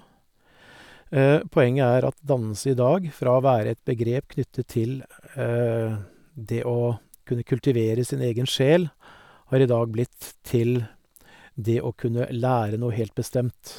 Poenget er at dannelse i dag, fra å være et begrep knyttet til det å kunne kultivere sin egen sjel, har i dag blitt til det å kunne lære noe helt bestemt.